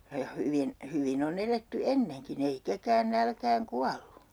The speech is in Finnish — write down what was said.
ja hyvin hyvin on eletty ennenkin ei ketään nälkään kuollut